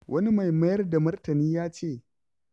Wani mai mayar da martani ya ce: